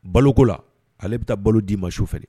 Balokola ale bɛ taa balo d'i ma su fɛ